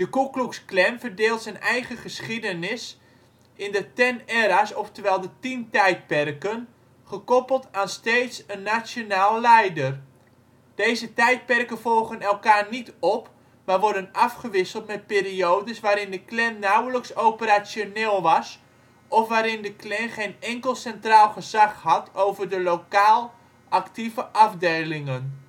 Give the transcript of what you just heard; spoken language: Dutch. Ku Klux Klan verdeelt zijn eigen geschiedenis in the Ten Eras ofwel de Tien Tijdperken, gekoppeld aan steeds een nationale leider. Deze tijdperken volgen elkaar niet op maar worden afgewisseld met periodes waarin de Klan nauwelijks operationeel was of waarin de Klan geen enkel centraal gezag had over de actieve lokale afdelingen